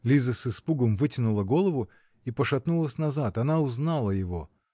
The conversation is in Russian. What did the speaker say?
Лиза с испугом вытянула голову и пошатнулась назад: она узнала его.